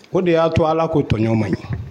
O de y'a to ala k'o tɔɲɔ man ɲi